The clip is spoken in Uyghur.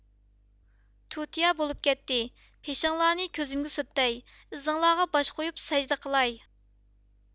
تۇتىيا بولۇپ كەتتى پېشىڭلارنى كۆزۈمگە سۈرتەي ئىزىڭلارغا باش قويۇپ سەجدە قىلاي